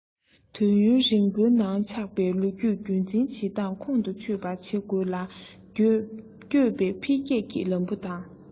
དུས ཡུན རིང པོའི ནང ཆགས པའི ལོ རྒྱུས རྒྱུན འཛིན བྱེད སྟངས ཁོང དུ ཆུད པ བྱེད དགོས ལ བསྐྱོད པའི འཕེལ རྒྱས ཀྱི ལམ བུ དང